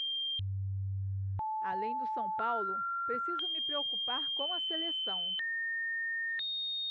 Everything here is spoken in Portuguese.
além do são paulo preciso me preocupar com a seleção